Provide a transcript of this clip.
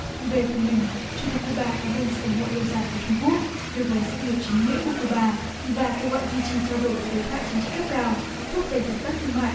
về phần mình chủ tịch cu ba cám ơn sự ủng hộ lâu dài của trung quốc đối với sự nghiệp chính nghĩa của cu ba và kêu gọi duy trì trao đổi với đối thoại chính trị cấp cao thúc đẩy hợp tác thương mại